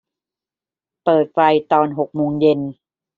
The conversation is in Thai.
เปิดไฟตอนหกโมงเย็น